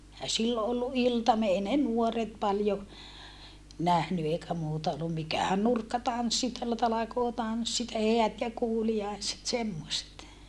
eihän silloin ollut iltamia ei ne nuoret paljon nähnyt eikä muuta ollut mikähän nurkkatanssit täällä talkootanssit ja häät ja kuuliaiset semmoiset